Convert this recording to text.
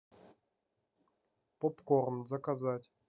попкорн заказать